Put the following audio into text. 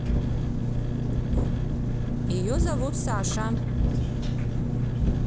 ее зовут саша